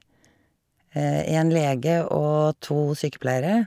En lege og to sykepleiere.